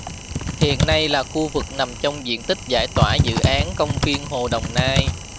hiện nay là khu vực nằm trong diện tích giải tỏa dự án công viên hồ đồng nai